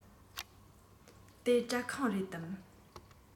དེ སྐྲ ཁང རེད དམ